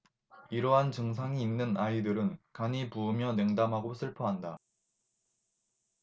이러한 증상이 있는 아이들은 간이 부으며 냉담하고 슬퍼한다